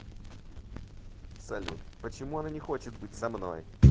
салют почему она не хочет быть со мной